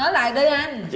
nói lại đi anh